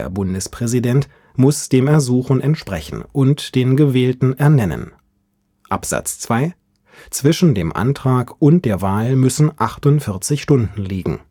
Bundespräsident muss dem Ersuchen entsprechen und den Gewählten ernennen. (2) Zwischen dem Antrag und der Wahl müssen 48 Stunden liegen